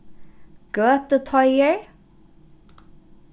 gøtuteigur